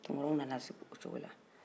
tunkaraw nana sigi o cogo la